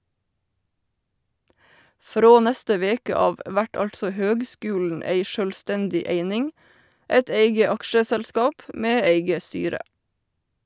Frå neste veke av vert altså høgskulen ei sjølvstendig eining, eit eige aksjeselskap med eige styre.